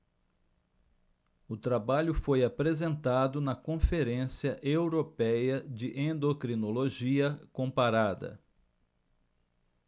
o trabalho foi apresentado na conferência européia de endocrinologia comparada